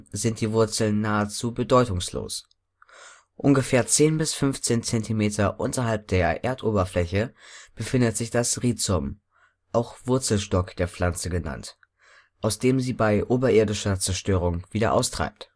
sind die Wurzeln nahezu bedeutungslos. Ungefähr 10 bis 15 Zentimeter unterhalb der Erdoberfläche befindet sich das Rhizom (Wurzelstock) der Pflanze, aus dem sie bei oberirdischer Zerstörung wieder austreibt